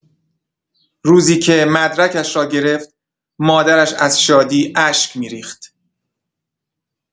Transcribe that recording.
روزی که مدرکش را گرفت، مادرش از شادی اشک می‌ریخت.